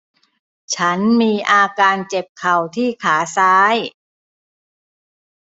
ฉันมีอาการเจ็บเข่าที่ขาซ้าย